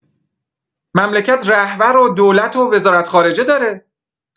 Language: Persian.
مملکت رهبر و دولت و وزارت‌خارجه داره.